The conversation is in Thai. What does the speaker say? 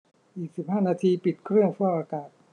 อีกสิบห้านาทีปิดเครื่องฟอกอากาศ